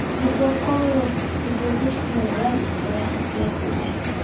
Йоклап калыгыз, сезне зур сынаулар, кара хәсрәт көтә.